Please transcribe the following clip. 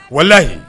Walayi